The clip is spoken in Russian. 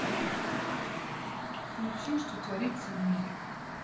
включи что творится в мире